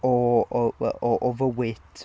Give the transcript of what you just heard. o, o- o- o fywyd...